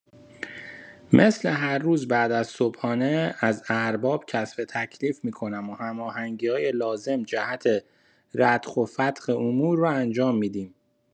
مثل هر روز بعد از صبحانه از ارباب کسب تکلیف می‌کنم و همانگی‌های لازم جهت رتق و فتق امور را انجام می‌دهیم.